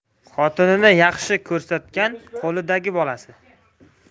xotinni yaxshi ko'rsatgan qo'lidagi bolasi